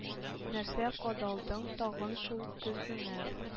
Нәрсә кадалдың тагын шул көзгеңә